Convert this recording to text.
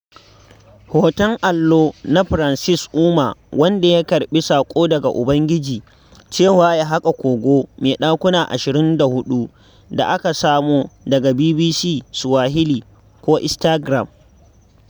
Hoton allo na Francis Ouma wanda ya karɓi saƙo daga Ubangiji cewa ya haƙa kogo mai ɗakuna 24 da aka samo daga BBC Swahili / Instagram.